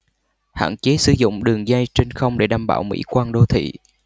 hạn chế sử dụng đường dây trên không để đảm bảo mỹ quan đô thị